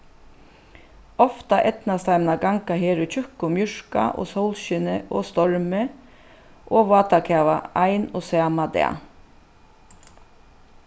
ofta eydnast teimum at ganga her í tjúkkum mjørka og sólskini og stormi og vátakava ein og sama dag